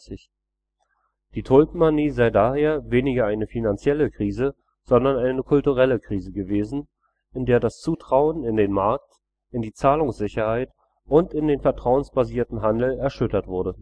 Die Tulpenmanie sei daher weniger eine finanzielle Krise, sondern eine kulturelle Krise gewesen, in der das Zutrauen in den Markt, in die Zahlungssicherheit und in den vertrauensbasierten Handel erschüttert wurde